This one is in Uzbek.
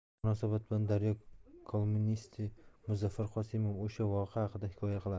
shu munosabat bilan daryo kolumnisti muzaffar qosimov o'sha voqea haqida hikoya qiladi